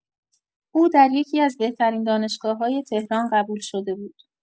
او در یکی‌از بهترین دانشگاه‌‌های تهران قبول شده بود.